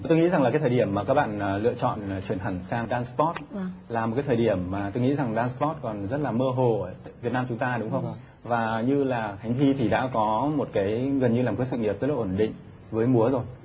tôi nghĩ rằng là cái thời điểm mà các bạn là lựa chọn chuyển hẳn sang đan pót là một cái thời điểm mà tôi nghĩ rằng đan pót còn rất là mơ hồ ở việt nam chúng ta đúng không và như là khánh thy thì đã có một cái gần như là một cái sự nghiệp rất là ổn định với múa rồi